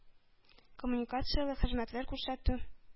Коммуникацияле хезмәтләр күрсәтү